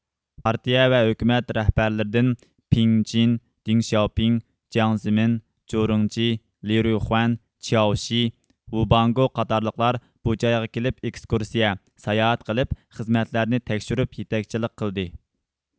پارتىيە ۋە ھۆكۈمەت رەھبەرلىرىدىن پىڭجىن دېڭشياۋپېڭ جياڭ زېمىن جورۇڭجى لى رۇيخۇەن چياۋشى ۋوباڭگو قاتارلىقلار بۇ جايغا كېلىپ ئېكىسكۇرسىيە ساياھەت قىلىپ خىزمەتلەرنى تەكشۈرۈپ يېتەكچىلىك قىلدى